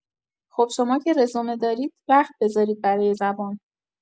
خب شما که رزومه دارید، وقت بذارید برای زبان